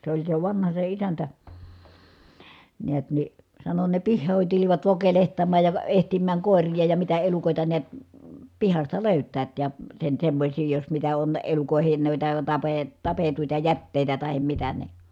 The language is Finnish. se oli se vanha se isäntä näet niin sanoi ne pihoihin tulivat vokelehtimaan ja - etsimään koiria ja mitä elukoita näet pihasta löytävät ja sen semmoisia jos mitä on elukoiden noita - tapettuja jätteitä tai mitä niin